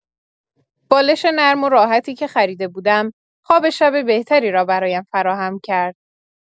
بالش نرم و راحتی که خریده بودم، خواب شب بهتری را برایم فراهم کرد.